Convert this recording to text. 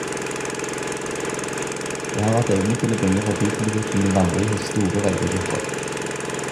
Det har vært egnet til å bringe partipolitikken i vanry hos store velgergrupper.